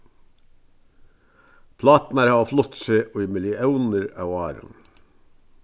pláturnar hava flutt seg í milliónir av árum